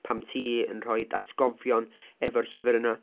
Pan ti yn rhoi atgofion efo'r llyfr yna.